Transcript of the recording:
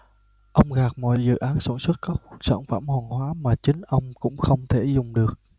ông gạt mọi dự án sản xuất các sản phẩm hàng hóa mà chính ông cũng không thể dùng được